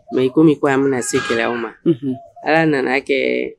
Mais kɔmi i ko k'an bɛna se gɛlɛyaw ma allah nana kɛ